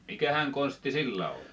mikähän konsti sillä oli